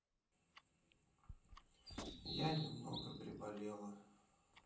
я немного приболела